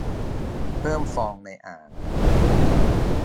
เพิ่มฟองในอ่าง